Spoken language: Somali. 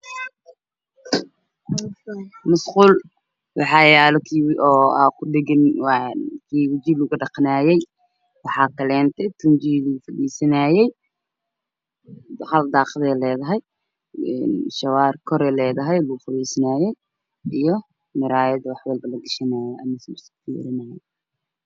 Waa musqul oo leh waji dhaq, tuuji, hal daaqad, shaawarka kore iyo muraayada wax lagashto.